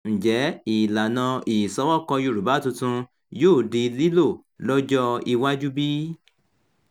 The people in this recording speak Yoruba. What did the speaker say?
Ǹjẹ́ ìlànà ìṣọwọ́kọ Yorùbá tuntun yóò di lílò lọ́jọ́ iwájú bí?